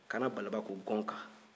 kaana balaba ko gɔnga